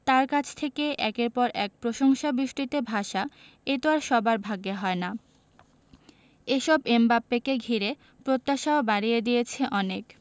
তাঁর কাছ থেকে একের পর এক প্রশংসাবৃষ্টিতে ভাসা এ তো আর সবার ভাগ্যে হয় না এসব এমবাপ্পেকে ঘিরে প্রত্যাশাও বাড়িয়ে দিয়েছে অনেক